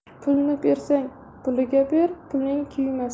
pulni bersang pulliga ber puling kuymas